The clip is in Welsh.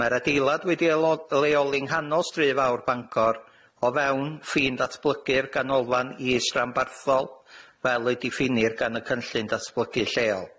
Ma'r adeilad wedi ylo- leoli'n nghanol stryd fawr Bangor, o fewn ffin datblygu'r ganolfan is-grandbarthol, fel y diffinir gan y cynllun datblygu lleol.